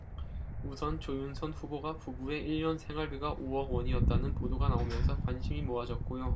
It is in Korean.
우선 조윤선 후보자 부부의 일 년 생활비가 오 억 원이었다는 보도가 나오면서 관심이 모아졌고요